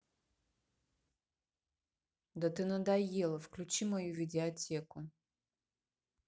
да ты надоела включи мою видеотеку